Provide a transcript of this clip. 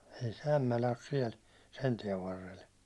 ei se Ämmälä ole siellä sen tien varrella